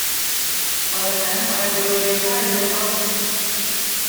เปิดแสงไฟบริเวณใต้พื้นรถ